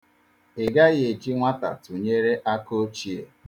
Ị gaghị eji nwata tụnyere akaochie.